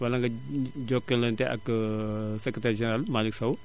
wala nga jokkalante ak secrétaire général Malick Sow